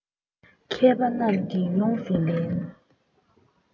མཁས པ རྣམས ནི ཡོངས སུ ལེན